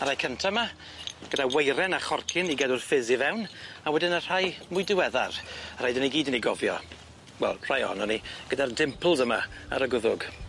A'r rai cynta 'ma gyda weiren a chorcyn i gadw'r ffis i fewn a wedyn y rhai mwy diweddar y rhai 'dyn ni gyd yn eu gofio wel rhai ohonon ni gyda'r dimples yma ar y gwddwg.